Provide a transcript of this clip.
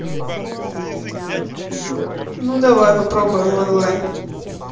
ну давай попробуем в онлайне